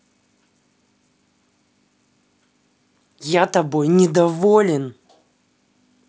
я тобой недоволен